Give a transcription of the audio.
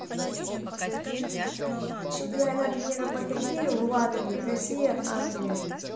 чемпионат мира по хоккею в латвии россия англия